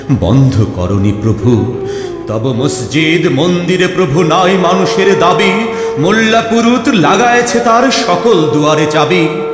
বন্ধ করনি প্রভু তব মসজিদ মন্দিরে প্রভু নাই মানুষের দাবী মোল্লা পুরুত লাগায়েছে তার সকল দুয়ারে চাবী